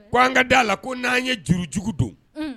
Ko' an ka da' a la ko n'an ye jurujugu don